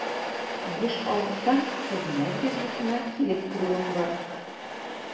Еш авырсаң, хезмәт биржасына килеп керүең бар.